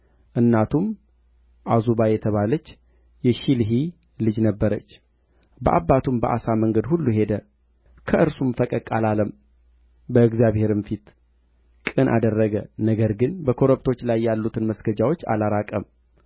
እናቱም ዓዙባ የተባለች የሺልሒ ልጅ ነበረች በአባቱም በአሳ መንገድ ሁሉ ሄደ ከእርሱም ፈቀቅ አላለም በእግዚአብሔርም ፊት ቅን አደረገ ነገር ግን በኮረብቶች ላይ ያሉትን መስገጃዎች አላራቀም